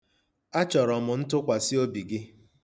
Achọrọ m ntụkwasịobi gị.